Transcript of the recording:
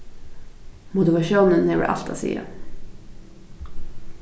motivatiónin hevur alt at siga